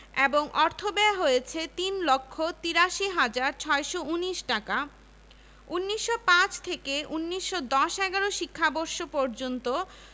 ১৩ সদস্যের একটি কমিটি নিয়োগ করা হয় এ কমিটির সদস্য ছিলেন বাংলার গণশিক্ষা অধিদপ্তরের পরিচালক জি.ডব্লিউ কুচলার কলকাতা হাইকোর্টের অ্যাডভোকেট ড. রাসবিহারী ঘোষ